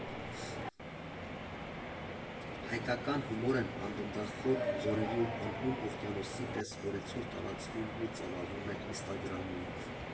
Հայկական հումորն անդնդախոր ձորերի ու անհուն օվկիանոսի պես օրեցօր տարածվում ու ծավալվում է ինստագրամում։